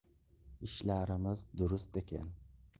ishlarimiz durust ekan